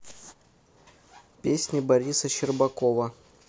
песни бориса щербакова